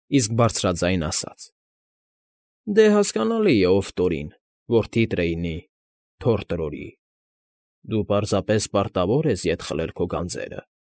Իսկ բարձրաձայն ասաց. ֊ Դե, հասկանալի է, ով Տորին, որդի Տրեյնի, թոռ Տրորի… Դու պարզպաես պարտավոր ես ետ խլել քո գանձերը։